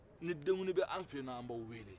ni dekuli b'an fɛ an b'aw wele